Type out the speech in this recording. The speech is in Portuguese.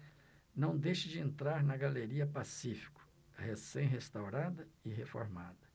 não deixe de entrar na galeria pacífico recém restaurada e reformada